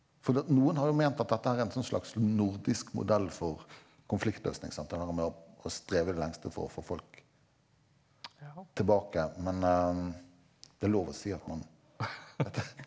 fordi at noen har jo ment at dette her er en sånn slags nordisk modell for konfliktløsning sant det derre med å å streve i det lengste for å få folk tilbake, men det er lov å si at man at .